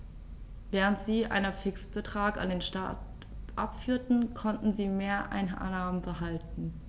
Während sie einen Fixbetrag an den Staat abführten, konnten sie Mehreinnahmen behalten.